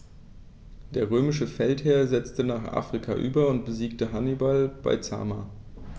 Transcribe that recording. Der römische Feldherr setzte nach Afrika über und besiegte Hannibal bei Zama.